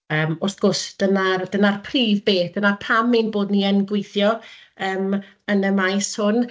Yym, wrth gwrs, dyna'r dyna'r prif beth, dyna pam ein bod ni yn gweithio yym yn y maes hwn.